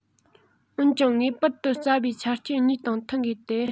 འོན ཀྱང ངེས པར དུ རྩ བའི ཆ རྐྱེན གཉིས དང མཐུན དགོས ཏེ